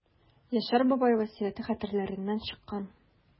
Яшәр бабай васыяте хәтерләреннән чыккан.